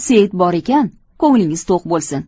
seit bor ekan ko'nglingiz to'q bo'lsin